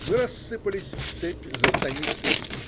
Мы рассыпались в цепь за станицей.